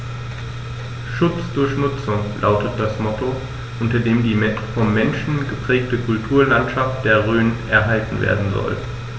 „Schutz durch Nutzung“ lautet das Motto, unter dem die vom Menschen geprägte Kulturlandschaft der Rhön erhalten werden soll.